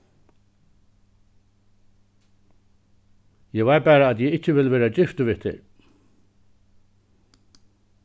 eg veit bara at eg ikki vil vera giftur við tær